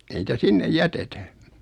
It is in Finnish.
ei niitä sinne jätetä